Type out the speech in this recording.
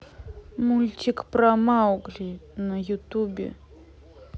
мультик про маугли на ютубе